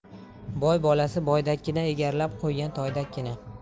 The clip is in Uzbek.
boy bolasi boydakkina egarlab qo'ygan toydakkina